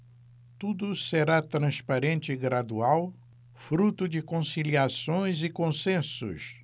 tudo será transparente e gradual fruto de conciliações e consensos